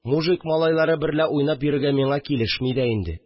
Мужик малайлары берлә уйнап йөрергә миңа килешми дә инде